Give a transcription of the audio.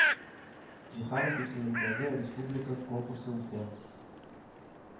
Җиһанов исемендәге республика конкурсы үтә